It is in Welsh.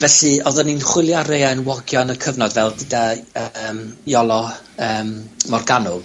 felly, odden ni'n chwilio a' rei o enwogion y cyfnod fel deda yym Iolo yym Morgannwg